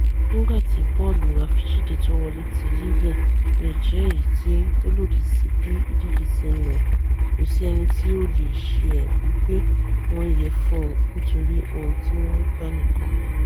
nígbà tí bọ́ọ̀lù àfisíde tówọlé ti Livi leè jẹ́ èyití tólòdì sí bí ìdíje tí ńlọ, kòsí ẹnití o leè ṣẹ́ wí pé wọn yẹ fún un nítorí ohun tíwọ́n gbà nìkan.